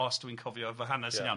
os dwi'n cofio fy hanes yn iawn.